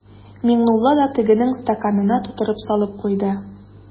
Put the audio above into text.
Миңнулла да тегенең стаканына тутырып салып куйды.